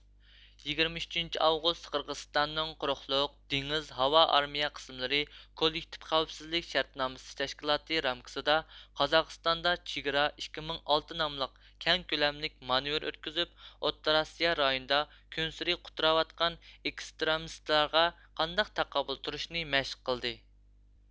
يىگىرمە ئۈچىنچى ئاۋغۇست قىرغىزىستاننىڭ قۇرۇقلۇق دېڭىز ھاۋا ئارمىيە قىسىملىرى كوللېكتىپ خەۋپسىزلىك شەرتنامىسى تەشكىلاتى رامكىسىدا قازاقىستاندا چېگرا ئىككى مىڭ ئالتە ناملىق كەڭ كۆلەملىك مانېۋىر ئۆتكۈزۈپ ئوتتۇرا ئاسىيا رايونىدا كۈنسېرى قۇتراۋاتقان ئېكستىرمىستلارغا قانداق تاقابىل تۇرۇشنى مەشىق قىلدى